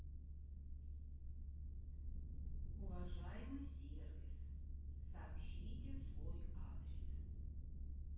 уважаемый сервис сообщите свой адрес